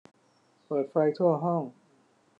เปิดไฟทั่วห้อง